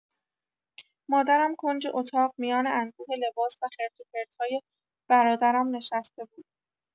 مادرم کنج اتاق میان انبوه لباس و خرت و پرت‌های برادرم نشسته بود.